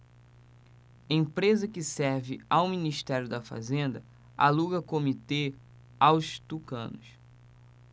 empresa que serve ao ministério da fazenda aluga comitê aos tucanos